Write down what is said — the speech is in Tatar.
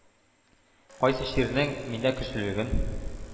Кайсы чирнең миндә көчлелеген